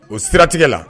O siratigɛ la